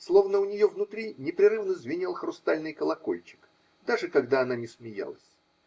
Словно у нее внутри непрерывно звенел хрустальный колокольчик, даже когда она не смеялась.